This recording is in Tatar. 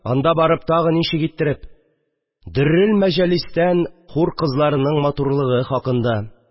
Анда барып, тагы ничек иттереп, «Даррелмәҗалис»тән хур кызларының матурлыгы хакында